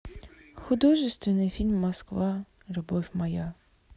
художественный фильм москва любовь моя